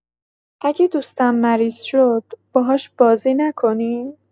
اگه دوستم مریض شد، باهاش بازی نکنیم؟